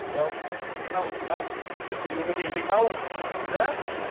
Wel dydd Mawrth, Mawrth y Duw Rhufeinig Mawrth 'de.